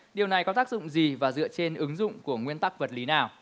điều này có tác dụng gì và dựa trên ứng dụng của nguyên tắc vật lý nào